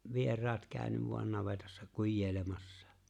vieraat käynyt vain navetassa kujeilemassa